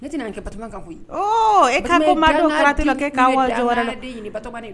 Ne e